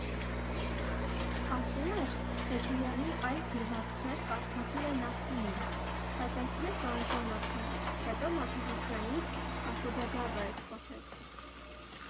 Ասում էր՝ Խեչոյանի այլ գրվածքներ կարդացել է նախկինում, բայց այս մեկը անծանոթ է, հետո Մաթևոսյանից, Ակուտագավայից խոսեց։